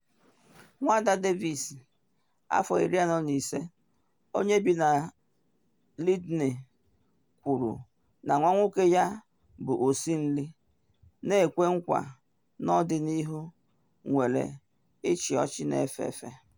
Nwada Davis, afọ 45, onye bi na Lydney, kwuru na nwa nwoke ya bụ osi nri na ekwe nkwa n’ọdịnihu nwere ọchị na efe efe.